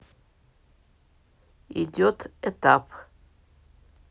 идет этап